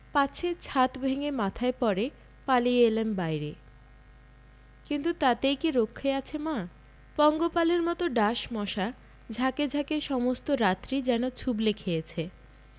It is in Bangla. পাছে ছাত ভেঙ্গে মাথায় পড়ে পালিয়ে এলাম বাইরে কিন্তু তাতেই কি রক্ষে আছে মা পঙ্গপালের মত ডাঁশ মশা ঝাঁকে ঝাঁকে সমস্ত রাত্রি যেন ছুবলে খেয়েছে